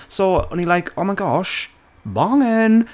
So, o'n i, like, oh my gosh, bangin'!